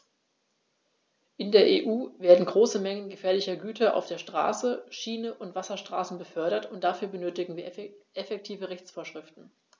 In der EU werden große Mengen gefährlicher Güter auf der Straße, Schiene und Wasserstraße befördert, und dafür benötigen wir effektive Rechtsvorschriften.